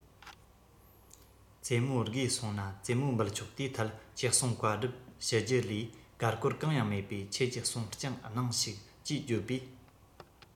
ཙེ མོ དགོས གསུངས ན ཙེ མོ འབུལ ཆོག དེའི ཐད ཅི གསུངས བཀའ སྒྲུབ ཞུ རྒྱུ ལས ཀར ཀོར གང ཡང མེད པས ཁྱེད ཀྱི གསུང རྐྱང གནང ཞིག ཅེས བརྗོད པས